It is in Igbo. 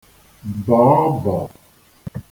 bọ̀ ọbọ̀